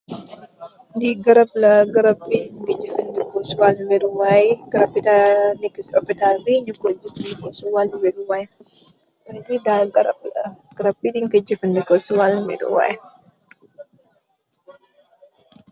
Lii garab la, garab bu ñuy jafëndeko si waalu weru waay. Lii daal garab la, garab bi dañ kooy jafo si waalu weru waay.